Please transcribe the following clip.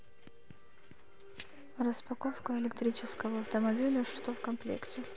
распаковка электрического автомобиля что в комплекте